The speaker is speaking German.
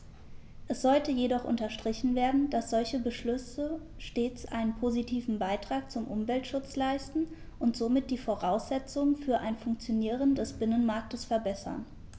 Es sollte jedoch unterstrichen werden, dass solche Beschlüsse stets einen positiven Beitrag zum Umweltschutz leisten und somit die Voraussetzungen für ein Funktionieren des Binnenmarktes verbessern.